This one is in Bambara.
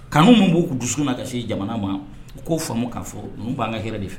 Kanu min b'u dusu na ka se jamana ma u k'o fɔ'a fɔ n'u b'an ka hɛrɛ de fɛ